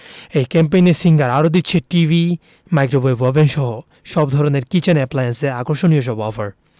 এই ক্যাম্পেইনে সিঙ্গার আরো দিচ্ছে টিভি মাইক্রোওয়েভ ওভেনসহ সব ধরনের কিচেন অ্যাপ্লায়েন্সে আকর্ষণীয় সব অফার